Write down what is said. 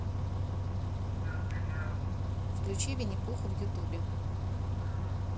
включи винни пуха в ютубе